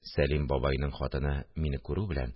Сәлим бабайның хатыны, мине күрү белән